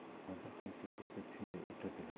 yana bir qancha fursat shunday o'tirdilar